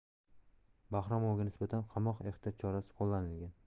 bahromovga nisbatan qamoq ehtiyot chorasi qo'llanilgan